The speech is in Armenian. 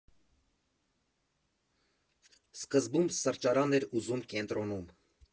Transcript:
Սկզբում սրճարան էր ուզում կենտրոնում։